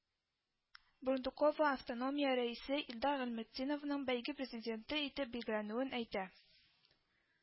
Брундукова автономия рәисе Илдар Гыйлметдиновның бәйге президенты итеп билгеләнүен әйтә